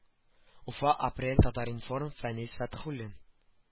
Уфа апрель татар-информ фәнис фәтхуллин